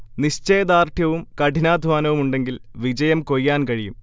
നിശ്ചയ ദാർഢ്യവും കഠിനാധ്വാനവും ഉണ്ടെങ്കിൽ വിജയം കൊയ്യാൻ കഴിയും